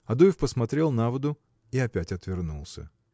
Адуев посмотрел на воду и опять отвернулся.